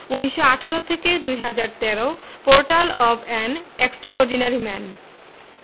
১৯১৮ ২০১৩ portal of an extraordinary man